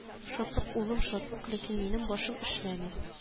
Шатлык улым шатлык ләкин минем башым эшләми